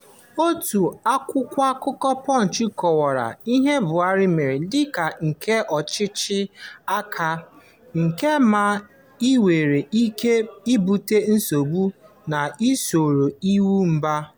Otu akwụkwọ akụkọ Punch kọwara ihe Buhari mere dị ka nke ọchịchị aka ike ma nwere ike ibute nsogbu n'usoro iwu mba: